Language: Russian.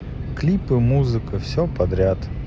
клипы музыка все подряд